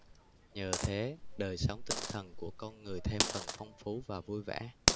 nhờ thế đời sống tinh thần của con người thêm phần phong phú và vui vẻ